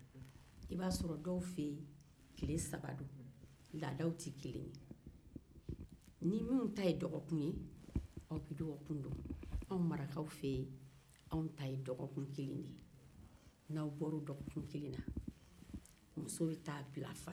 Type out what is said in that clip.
ni minnu ta ye dɔgɔkun ye aw be dɔgɔkun kɛ dɔgɔkun kelen don marakaw fɛ yen n'a bɔra o dɔgɔkun kelen na muso bɛ taa bila a faso